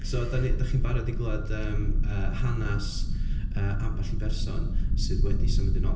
So dan ni... dach chi'n barod i glywed yym yy hanes yy ambell i berson sydd wedi symud yn ôl?